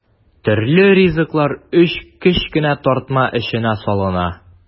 Төрле ризыклар өч кечкенә тартма эченә салына.